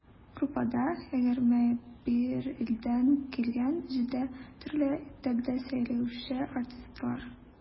Труппада - 21 илдән килгән, җиде төрле телдә сөйләшүче артистлар.